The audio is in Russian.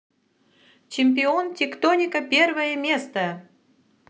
чемпион тектоника первое место